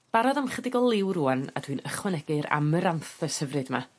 Barod am chydig o liw rŵan a dwi'n ychwanegu'r amaranthus hyfryd 'ma